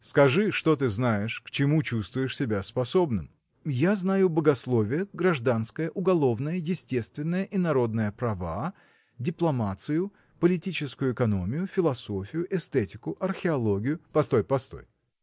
Скажи, что ты знаешь, к чему чувствуешь себя способным. – Я знаю богословие гражданское уголовное естественное и народное права дипломацию политическую экономию философию эстетику археологию. – Постой, постой!